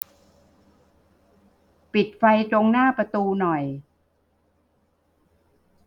ปิดไฟตรงหน้าประตูหน่อย